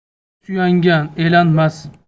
elga suyangan elanmas